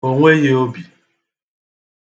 O nweghi obi.